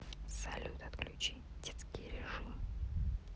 салют отключи детский режим